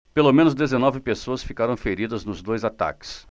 pelo menos dezenove pessoas ficaram feridas nos dois ataques